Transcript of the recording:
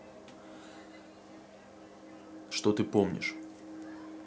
что ты помнишь